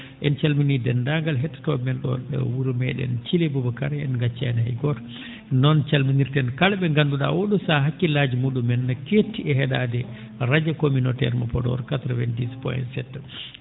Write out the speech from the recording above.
en calminii deenndaangal hettotoo?e men ?oo ?o wuro mee?en Thillé Boubacar en ngaccaani hay gooto noon calminirten kala ?e nganndu?aa oo ?oo sahaa hakkillaaji mu?umen no keetti e he?aade radio communautaire mo Podor 90 POINT 7